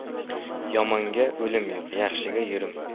yomonga o'lim yo'q yaxshiga yurim